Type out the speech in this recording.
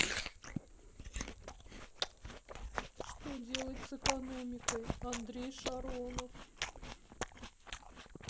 что делать с экономикой андрей шаронов